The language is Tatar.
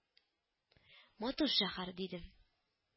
Матур шәһәр, — дидем